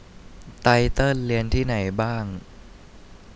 ไตเติ้ลเรียนที่ไหนบ้าง